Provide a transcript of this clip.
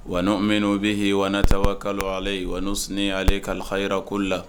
Wa minnu u bɛ yen wtawa kalo ale ye wasale ka lahara ko la